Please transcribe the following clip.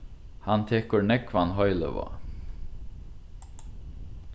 hann tekur nógvan heilivág